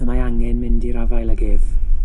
y mae angen mynd i'r afael ag ef.